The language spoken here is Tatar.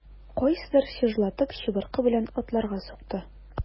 Кайсыдыр чыжлатып чыбыркы белән атларга сукты.